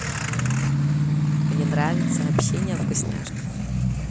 мне нравится общение о вкусняшках